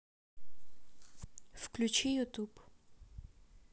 включи youtube